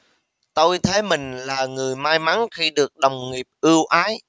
tôi thấy mình là người may mắn khi được đồng nghiệp ưu ái